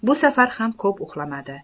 bu safar ham ko'p uxlamadi